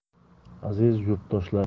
aziz yurtdoshlar